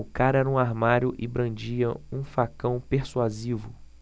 o cara era um armário e brandia um facão persuasivo